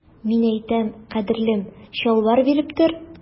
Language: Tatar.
Мин әйтәм, кадерлем, чалбар биреп тор.